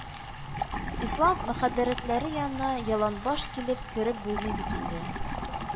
Ислам мөхадарәтләре янына яланбаш килеш кереп булмый бит инде